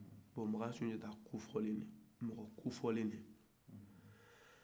bon makan sunjata kofɔlen de do mɔgɔ kofɔlen de do